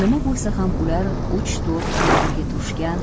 nima bo'lsa ham ular uch to'rt oy birga turishgan